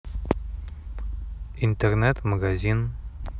интернет магазин